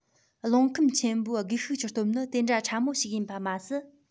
རླུང ཁམས ཆེན པོས སྒུལ ཤུགས ཀྱི སྟོབས ནི དེ འདྲ ཕྲ མོ ཞིག ཡིན པ མ ཟད